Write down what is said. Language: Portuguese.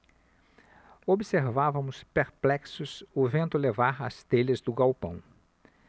observávamos perplexos o vento levar as telhas do galpão